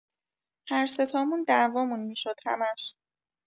هرسه تامون دعوامون می‌شد همش.